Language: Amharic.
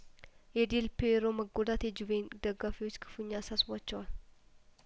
የዴልፒ የሮ መጐዳት የጁቬን ደጋፊዎች ክፉ ኛ አሳስቧቸዋል